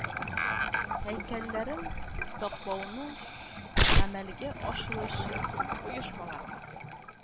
Һәйкәлләрен саклауны гамәлгә ашыручы оешмаларны